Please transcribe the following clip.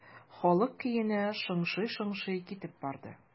Халык көенә шыңшый-шыңшый китеп барды.